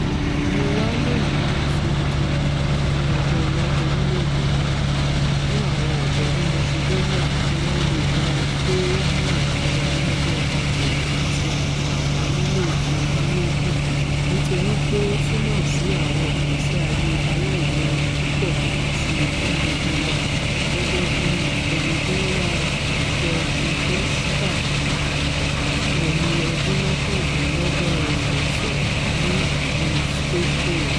Mó wá lóòní láti di ìbò fún ọjọ́ iwájú orílẹ̀-èdè náà, fún àwọn ọ̀dọ́ ní Masidóníà kí wọ́n leè máa gbé ní òmìnira lábẹ́ agboòrùn ti Àjọ Àwọn orílẹ̀-èdè Yúróòpù nítorí pé ó túmọ̀ sí àwọn ìgbésí ayé aláìléwu púpọ̀ síi fún gbogbo wa,'' gẹ́gẹ́ bíi Olivera Georgijevska, ẹni ọdún mọ́kàndínlọ́gọ́rin ṣe sọ, ní ìlú Skopje.